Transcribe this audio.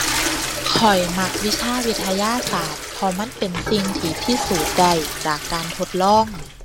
ข้อยมักวิชาวิทยาศาสตร์ เพราะมันเป็นสิ่งที่พิสูจน์ได้จากการทดลอง